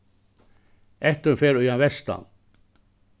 ættin fer í ein vestan